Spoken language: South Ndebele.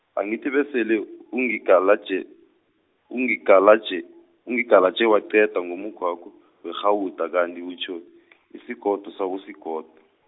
angithi besele ungigalaje, ungigalaje, ungigalaje waqeda ngomukhwakho, werhawuda kanti utjho , isigodo sakosigodo.